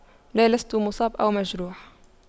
لا لست مصاب أو مجروح